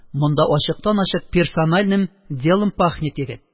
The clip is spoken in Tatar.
Монда ачыктан-ачык персональным делом пахнет, егет